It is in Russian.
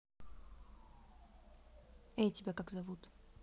эй тебя как зовут